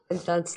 Bendant...